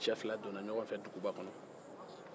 u cɛ fila donna ɲɔgɔn fɛ duguba kɔnɔ